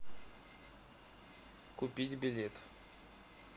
купить билет